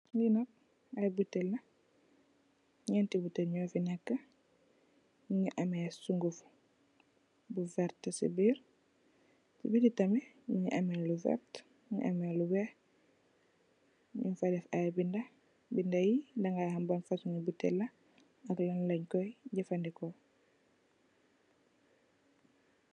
Lii nak aye buteel la, ñenti buteeli ñoofi nek, ñungi ameh sunguf bu vert si biir, si biti tamih mungi ameh lu vert, mungi ameh lu weeh, mungfa def aye binda, binda yii, dangay ham ban fasongi buteel la, ak lan lankoy jefandikoo.